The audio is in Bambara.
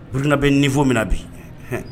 Buruina bɛ ni fɔ min na bi